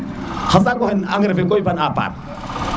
xa saaku xe engrais fe ko yipan a part